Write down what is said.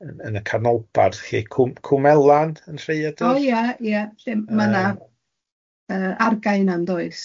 Yn yn y Carnolbarth lly Cwm Cwm Elan yn Rrhaeadr? O ie ie lle ma' na yy argau yna yn does?